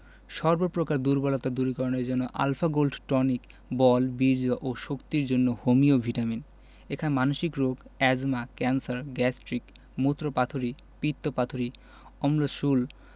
সর্ব প্রকার দুর্বলতা দূরীকরণের জন্য আল্ ফা গোল্ড টনিক –বল বীর্য ও শক্তির জন্য হোমিও ভিটামিন এখানে মানসিক রোগ এ্যজমা ক্যান্সার গ্যাস্ট্রিক মুত্রপাথড়ী পিত্তপাথড়ী অম্লশূল